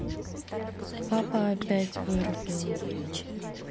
папа опять вырубил